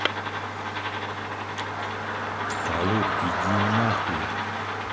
салют иди нахуй